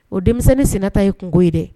O denmisɛnnin sina ta ye kungo ye dɛ.